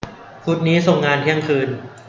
พุธนี้ส่งงานเที่ยงคืน